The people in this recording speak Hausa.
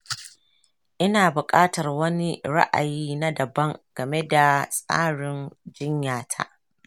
ina buƙatar wani ra'ayi na daban game da tsarin jinyata.